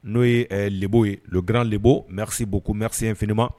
N'o ye lebbɔ ye gkra debbɔ msibo komerisiy fma